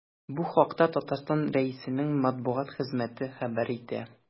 Бу хакта Татарстан Рәисенең матбугат хезмәте хәбәр итә.